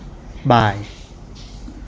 บ่าย